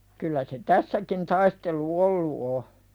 kyllä se tässäkin taistelu ollut on